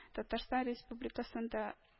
Татарстан Республикасында